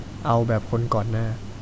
เอาแบบคนก่อนหน้า